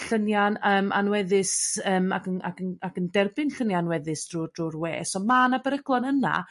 llunia'n yrm anweddus yrm ac yn ac yn ac yn derbyn llunia' anweddus drw'r drw'r we so ma' 'na beryglon yna.